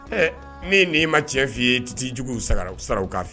Ɛɛ ne e nin ma tiɲɛ f'i ye i ti t'i juguw sagara u sara u k'a f